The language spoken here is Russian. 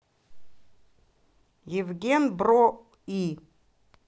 евген бро и